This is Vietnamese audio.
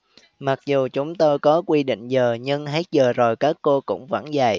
mặc dù chúng tôi có quy định giờ nhưng hết giờ rồi các cô cũng vẫn dạy